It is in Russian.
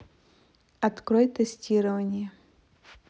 открой тестирование